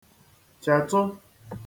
chẹ̀tụ